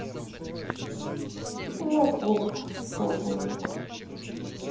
и мозгов тоже нет